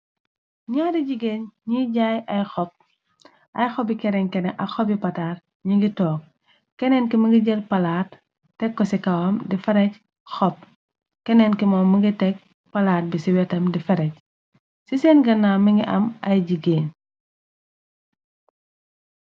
Nyaari jigéen ñiy jaay ay xob ay xopbi kerin keren ak xopyi pataar ñi ngi toog kenneen ki mëngi jël palaat tek ko ci kawam di fareg xob kenneen ki moo mëngi teg palaat bi ci wetam di ferej ci seen ganna mi ngi am ay jigéen.